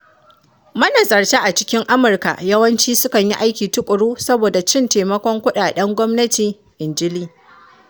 Manazarta a cikin Amurka yawanci sukan yi aiki tuƙuru saboda cin taimakon kuɗaɗen gwamnati, inji Lee.